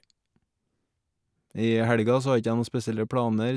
I helga så har ikke jeg noen spesielle planer.